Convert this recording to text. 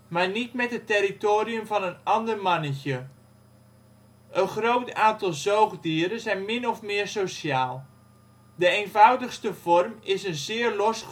maar niet met het territorium van een ander mannetje. Een groot aantal zoogdieren zijn min of meer sociaal. De eenvoudigste vorm is een zeer los